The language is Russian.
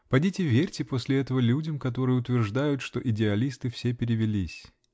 Подите верьте после этого людям, которые утверждают что идеалисты все перевелись!